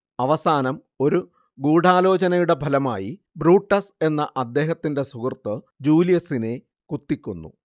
അവസാനം ഒരു ഗൂഡാലോചനയുടെ ഫലമായി ബ്രൂട്ടസ് എന്ന അദ്ദേഹത്തിന്റെ സുഹൃത്ത് ജൂലിയസിനെ കുത്തിക്കൊന്നു